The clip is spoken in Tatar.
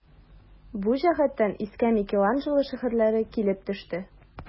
Бу җәһәттән искә Микеланджело шигырьләре килеп төште.